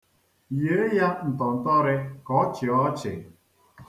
Yie ya ntọntọrị ka ọ chịa ọchị.